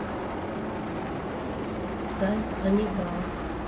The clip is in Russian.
сайт анидап